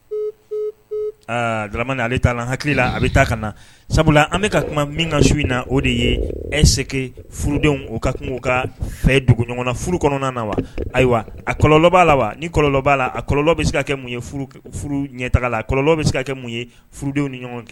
Aaa g ale t'a la hakilila a bɛ taa ka na sabula an bɛka ka kuma min ka su in na o de ye eseke furudenw u ka kun ka fɛ dugu ɲɔgɔn na furu kɔnɔna na wa ayiwa a kɔlɔ' la wa ni kɔlɔ'a la a kɔlɔ bɛ se ka kɛ mun ye furu ɲɛ taga la kɔlɔ bɛ se ka kɛ mun ye furudenw ni ɲɔgɔn kɛ